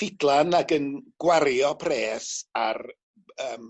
ffidlan ag yn gwario pres ar yym